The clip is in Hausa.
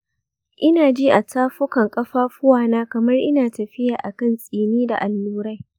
ina ji a tafukan ƙafafuwana kamar ina tafiya akan tsini da allurai.